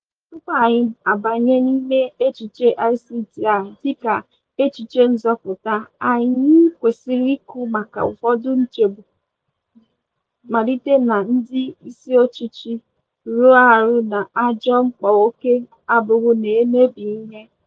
Tupu anyị abanye n'ime echiche ICT a dịka "echiche nzọpụta" anyị kwesịrị ịkwụ maka ụfọdụ nchegbu, malite na ndị ịsị ọchịchị rụrụ arụ na ajọ ikpa ókè agbụrụ na-emebi ihe.